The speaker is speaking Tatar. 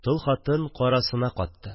– тол хатын карасына катты